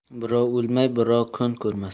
birov o'lmay birov kun ko'rmas